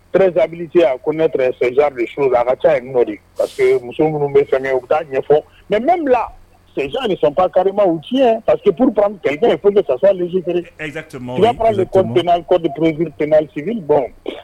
Rezsaabiti ko nere son su la a ka taa n nɔo pa que muso minnu bɛ san u taa ɲɛfɔ mɛ bɛ bila son ni sanpkarima u tiɲɛyɛn paseke ppp psipzpppppsi bɔn